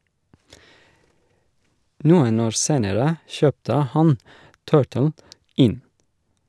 Noen år senere kjøpte han Turtle Inn.